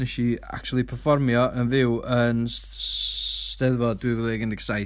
Wnes i acshyli perfformio yn fyw yn s- Steddfod dwy fil ag un deg saith.